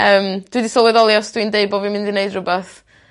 Yym dwi 'di sylweddoli os dwi'n deu bo' fi mynd i neud rwbeth